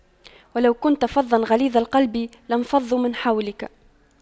وَلَو كُنتَ فَظًّا غَلِيظَ القَلبِ لاَنفَضُّواْ مِن حَولِكَ